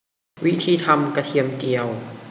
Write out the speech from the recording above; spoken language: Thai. วิธีทำกระเทียมเจียว